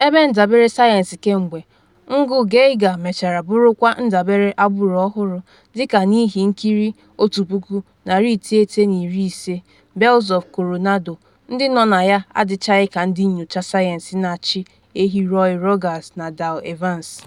Ebe ndabere sayensi kemgbe, Ngụ Geiger mechara bụrụkwa ndabere agbụrụ ọhụrụ, dịka n’ihe nkiri 1950 “Bells of Coronado.” ndị nọ na ya adịchaghị ka ndị nyocha sayensi na-achị ehi Roy Rogers na Dale Evans: